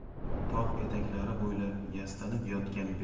tog' etaklari bo'ylab yastanib yotgan